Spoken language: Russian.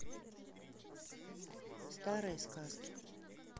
старые сказки